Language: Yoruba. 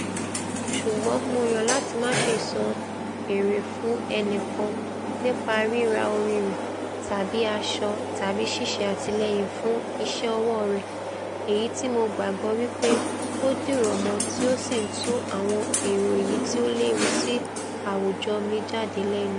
Ṣùgbọ́n Mo yàn LÁTI MÁṢE san èrè fún ẹnìkan (nípa ríra orin rẹ̀ tàbí asọ tàbí ṣíṣe àtìlẹ́yìn fún ''iṣẹ́ ọwọ́'' rẹ̀) èyití́ mo gbàgbọ́ wí pé o dìròmọ́ tí ó sì ńtu àwọn èrò èyití ó léwu sí àwùjọ mi jáde lẹ́nu.